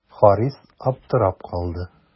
Харис аптырап калды.